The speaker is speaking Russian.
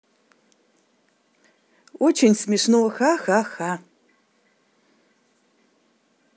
очень смешно ха ха ха